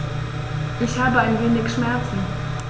Ich habe ein wenig Schmerzen.